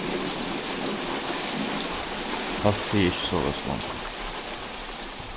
fólk siga ikki soleiðis longur